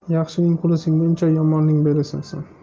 yaxshining qo'li singuncha yomonning beli sinsin